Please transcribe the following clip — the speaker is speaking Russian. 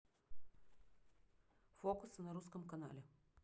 фокусы на русском канале